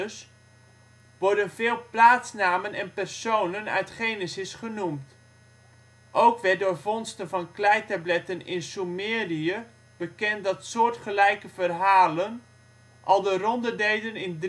v.Chr. worden veel plaatsnamen en personen uit Genesis genoemd. Ook werd door vondsten van kleitabletten in Soemerië bekend dat soortgelijke verhalen al de ronde deden in